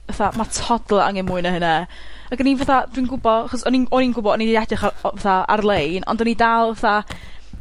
fatha ma' toddler angen mwy na hyna. Ac o'n i'n fatha dwi'n gwbo, achos o'n i'n o'n i'n gwbo, o'n i 'di edrych o- 'tha ar-lein, ond o'n i dal fatha